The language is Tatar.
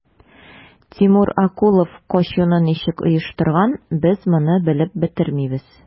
Тимур Акулов качуны ничек оештырган, без моны белеп бетермибез.